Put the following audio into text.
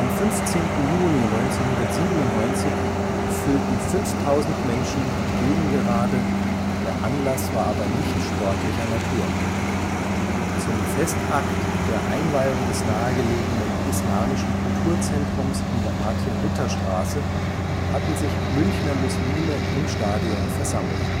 15. Juni 1997 füllten 5.000 Menschen die Gegengerade, der Anlass war aber nicht sportlicher Natur. Zum Festakt der Einweihung des nahegelegenen islamischen Kulturzentrums in der Martin-Luther-Straße hatten sich Münchner Muslime im Stadion versammelt